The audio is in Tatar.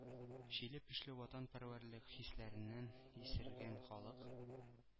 Чиле-пешле ватанпәрвәрлек хисләреннән исергән халык